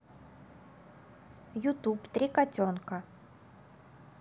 ютуб три котенка